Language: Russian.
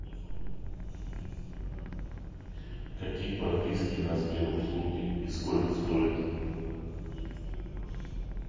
какие подписки на сбер услуги и сколько стоят